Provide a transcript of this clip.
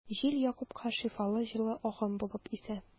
Җил Якупка шифалы җылы агым булып исә.